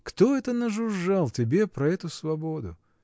Кто это нажужжал тебе про эту свободу?.